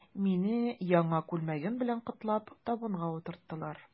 Мине, яңа күлмәгем белән котлап, табынга утырттылар.